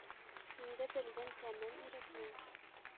Инде белдем тәмен ирекнең!